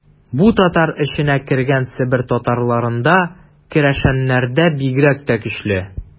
Бу татар эченә кергән Себер татарларында, керәшеннәрдә бигрәк тә көчле.